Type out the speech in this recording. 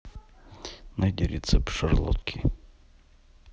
найди рецепт шарлотки